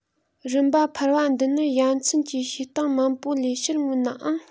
རིམ པ འཕར བ འདི ནི ཡ མཚན གྱི བྱེད སྟངས མང པོ ལས ཕྱིར མངོན ནའང